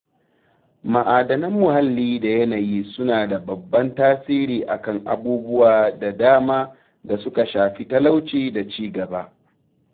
Ma'adanan muhalli da yanayi suna da babban tasiri a kan abubuwa da dama da suka shafi talauci da ci-gaba.